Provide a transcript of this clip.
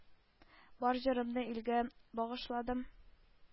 Бар җырымны илгә багышладым,